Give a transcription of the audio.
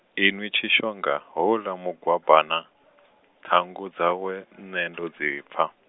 inwi Tshishonga, houḽa Mugwabana, ṱhangu dzawe, nṋe ndo dzi pfa.